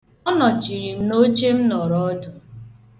Ọ nochiri m n'oche m nọrọ ọdụ.